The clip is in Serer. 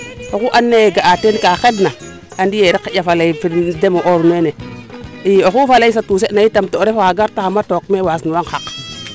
oxu ando naye ga'a teen kaa xed na andiye rek xanja faley demo'ooru neene i oxu faley fa tuuse na tam to oref oxa garta xama took may waasnu wang xaq